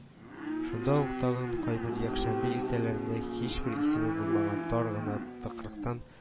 Шунда ук тагын кайбер якшәмбе иртәләрендә, һичбер исеме булмаган тар гына тыкрыктан